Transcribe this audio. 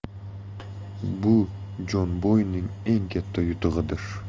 bu jon boynning eng katta yutug'idir